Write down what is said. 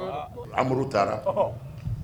Amadu taara